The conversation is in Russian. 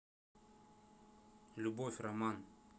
любовь роман